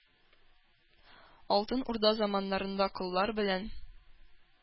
Алтын Урда заманнарында коллар белән